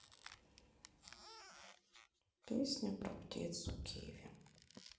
песня про птицу киви